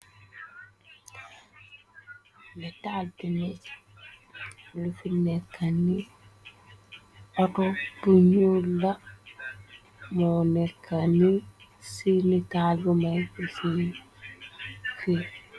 Nitaal bi ni, lu fi nekka ni ooto bu ñuul la, moo nekkan ni ci nitaal bu may giis nii.